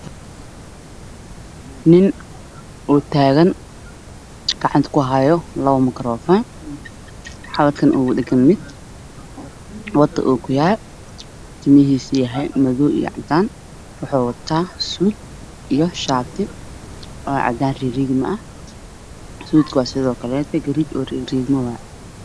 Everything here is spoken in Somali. Nin oo taagan labada gacmo makaroofoon